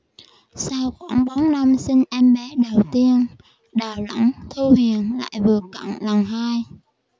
sau khoảng bốn năm sinh em bé đầu tiên đào lẳng thu huyền lại vượt cạn lần hai